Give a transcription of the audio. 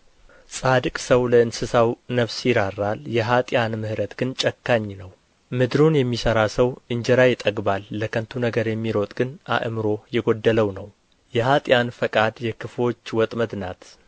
ጻድቅ ሰው ለእንስሳው ነፍስ ይራራል የኀጥኣን ምሕረት ግን ጨካኝ ነው ምድሩን የሚሠራ ሰው እንጀራ ይጠግባል ለከንቱ ነገር የሚሮጥ ግን አእምሮ የጐደለው ነው የኅጥኣን ፈቃድ የክፉዎች ወጥመድ ናት